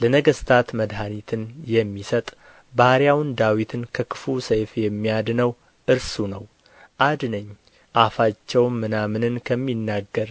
ለነገሥታት መድኃኒትን የሚሰጥ ባሪያውን ዳዊትን ከክፉ ሰይፍ የሚያድነው እርሱ ነው አድነኝ አፋቸውም ምናምንን ከሚናገር